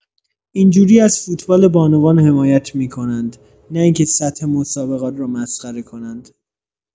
این‌جوری از فوتبال بانوان حمایت می‌کنند نه این که سطح مسابقات رو مسخره کنند